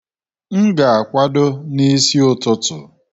M ga-akwado n'isi ụtụtụ.